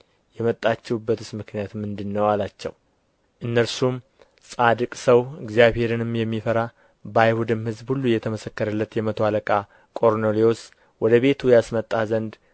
የመጣችሁበትስ ምክንያት ምንድር ነው አላቸው እነርሱም ጻድቅ ሰው እግዚአብሔርንም የሚፈራ በአይሁድም ሕዝብ ሁሉ የተመሰከረለት የመቶ አለቃ ቆርኔሌዎስ ወደ ቤቱ ያስመጣህ ዘንድ